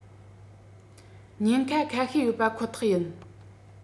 ཉེན ཁ ཁ ཤས ཡོད པ ཁོ ཐག ཡིན